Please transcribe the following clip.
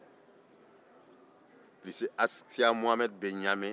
lise asikiya mohamɛdi bɛ ɲame